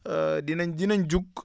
dinañ dinañ jug